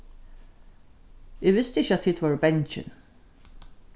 eg visti ikki at tit vóru bangin